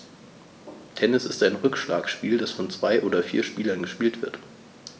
Tennis ist ein Rückschlagspiel, das von zwei oder vier Spielern gespielt wird.